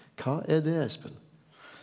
kva er det Espen?